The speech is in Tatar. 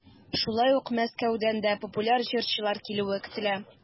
Шулай ук Мәскәүдән дә популяр җырчылар килүе көтелә.